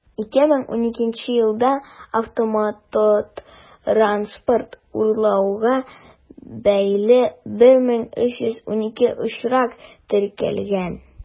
2012 елда автомототранспорт урлауга бәйле 1312 очрак теркәлгән.